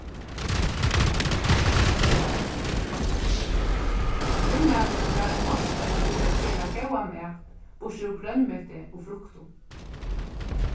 vinmaðurin var ein meistari í at gera góðan mat burtur úr grønmeti og fruktum